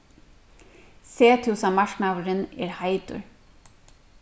sethúsamarknaðurin er heitur